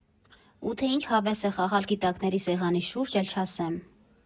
Ու թե ինչ հավես է խաղալ գիտակների սեղանի շուրջ՝ էլ չասեմ։